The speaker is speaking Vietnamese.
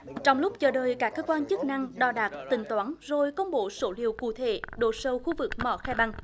trong lúc chờ đợi các cơ quan chức năng đo đạc tính toán rồi công bố số liệu cụ thể độ sâu khu vực mỏ khe băng